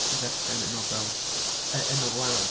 I ddarllen y nofel y yn y wlad.